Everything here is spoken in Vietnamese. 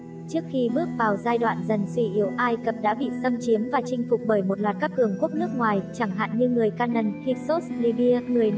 trước khi bước vào giai đoạn dần suy yếu ai cập đã bị xâm chiếm và chinh phục bởi một loạt các cường quốc nước ngoài chẳng hạn như người canaan hyksos lybia người nubia